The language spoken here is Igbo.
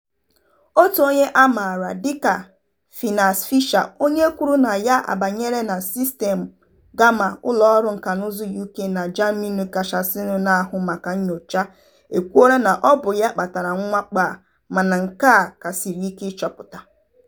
Otu onye a maara dịka "Phineas Fisher", onye kwuru na ya abanyela na sistemụ Gamma, ụlọọrụ nkànaụzụ UK na Germany kachasịnụ na-ahụ maka nnyocha, ekwuola na ọ bụ ya kpatara mwakpo a, mana nke a ka siri ike ịchọpụta.